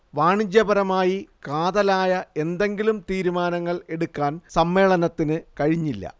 വാണിജ്യപരമായി കാതലായ എന്തെങ്കിലും തീരുമാനങ്ങൾ എടുക്കാൻ സമ്മേളനത്തിന് കഴിഞ്ഞില്ല